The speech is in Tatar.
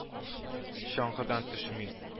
Чаңгыдан төшми